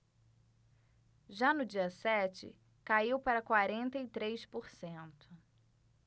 já no dia sete caiu para quarenta e três por cento